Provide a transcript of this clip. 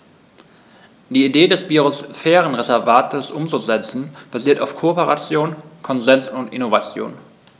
Die Idee des Biosphärenreservates umzusetzen, basiert auf Kooperation, Konsens und Innovation.